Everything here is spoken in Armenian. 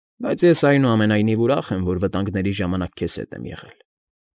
Բայց ես, այնուամենայնիվ, ուրախ եմ, որ վտանգների ժամանակ քեզ հետ եմ եղել։